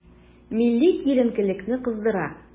Милли киеренкелекне кыздыра.